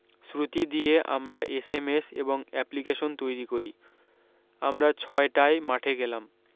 শ্রুতি দিয়ে আমরা S M S এবং অ্যাপলিকেশন তৈরী করি আমরা ছয় টায় মাঠে গেলাম